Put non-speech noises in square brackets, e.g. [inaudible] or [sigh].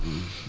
[hesitation] [hesitation] [breath]